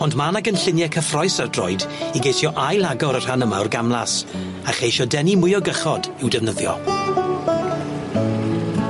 Ond ma' 'ny gynllunie cyffrous ar droed i geisio ail-agor y rhan yma o'r gamlas a cheisio denu mwy o gychod i'w defnyddio.